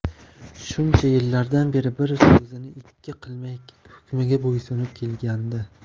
shuncha yillardan beri bir so'zini ikki qilmay hukmiga bo'ysunib kelganidi